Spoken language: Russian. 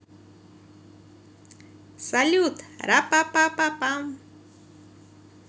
салют рапапапапам